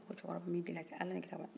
a ko cɛkɔrɔba n b'i deli a kɛ ala ni kira kama